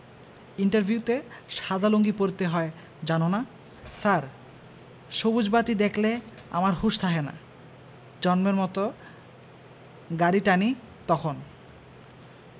ইন্টারভিউতে সাদা লুঙ্গি পড়তে হয় জানো না ছার সবুজ বাতি দ্যাখলে আমার হুশ থাহেনা জম্মের মত গাড়ি টানি তহন